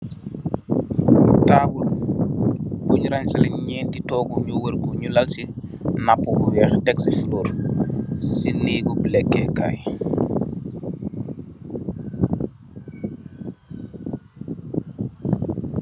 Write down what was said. Tabull buñ ransileh ñénti tohgu ñu war ko, ñgi lal si napó bu wèèx tegsi fulor.